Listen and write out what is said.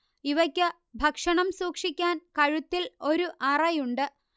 ഇവയ്ക്ക് ഭക്ഷണം സൂക്ഷിക്കാൻ കഴുത്തിൽ ഒരു അറയുണ്ട്